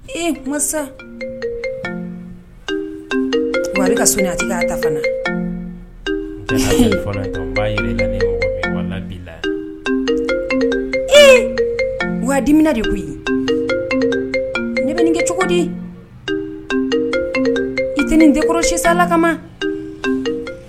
Ee masa ka son'a ta ka na eedimina de koyi ne bɛ kɛ cogo di i tɛ nin denkɔrɔla kama